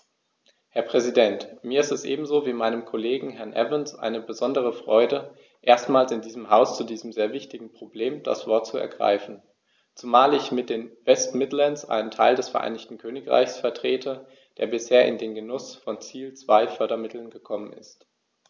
Herr Präsident, mir ist es ebenso wie meinem Kollegen Herrn Evans eine besondere Freude, erstmals in diesem Haus zu diesem sehr wichtigen Problem das Wort zu ergreifen, zumal ich mit den West Midlands einen Teil des Vereinigten Königreichs vertrete, der bisher in den Genuß von Ziel-2-Fördermitteln gekommen ist.